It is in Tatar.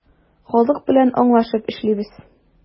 Халык белән аңлашып эшлибез.